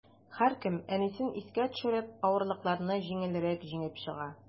Һәркем, әнисен искә төшереп, авырлыкларны җиңелрәк җиңеп чыга.